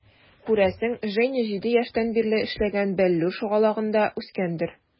Күрәсең, Женя 7 яшьтән бирле эшләгән "Бәллүр" шугалагында үскәндер.